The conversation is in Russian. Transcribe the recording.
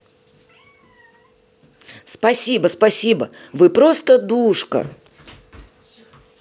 спасибо спасибо вы просто душка